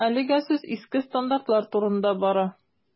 Әлегә сүз иске стандартлар турында бара.